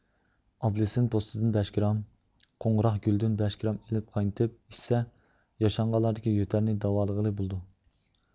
ئاپېلسىن پوستىدىن بەش گرام قوڭغۇراقگۈلدىن بەش گرام ئېلىپ قاينىتىپ ئىچسە ياشانغانلاردىكى يۆتەلنى داۋالىغىلى بولىدۇ